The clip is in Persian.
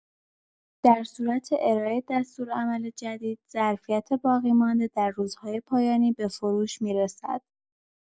درصورت ارائه دستورالعمل جدید ظرفیت باقی‌مانده در روزهای پایانی به فروش می‌رسد.